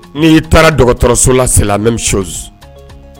N'i y'i taara dɔgɔtɔrɔso lase bɛ misiɔ